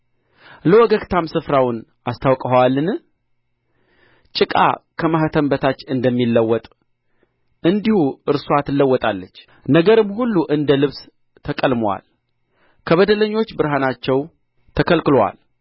ለወገግታም ስፍራውን አስታወቀኸዋልን ጭቃ ከማኅተም በታች እንደሚለወጥ እንዲሁ እርስዋ ትለወጣለች ነገርም ሁሉ እንደ ልብስ ተቀልሞአል ከበደለኞች ብርሃናቸው ተከልክሎአል